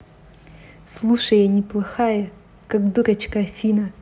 слушай я не плохая как дурочка афина